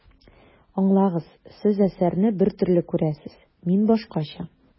Аңлагыз, Сез әсәрне бер төрле күрәсез, мин башкача.